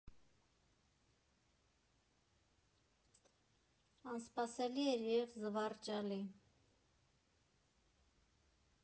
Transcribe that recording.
Անսպասելի էր և զվարճալի։